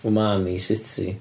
Umami city